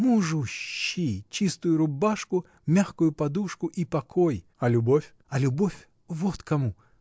— Мужу — щи, чистую рубашку, мягкую подушку и покой. — А любовь? — А любовь. вот кому!